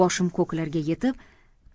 boshim ko'klarga yetib